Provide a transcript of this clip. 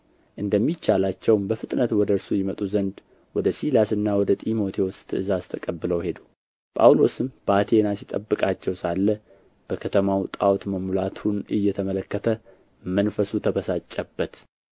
እንደሚቻላቸውም በፍጥነት ወደ እርሱ ይመጡ ዘንድ ወደ ሲላስና ወደ ጢሞቴዎስ ትእዛዝ ተቀብለው ሄዱ ጳውሎስም በአቴና ሲጠብቃቸው ሳለ በከተማው ጣዖት መሙላቱን እየተመለከተ መንፈሱ ተበሳጨበት